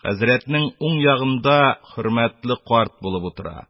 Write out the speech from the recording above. Хәзрәтнең уң, ягында хөрмәтле карт булып утыра...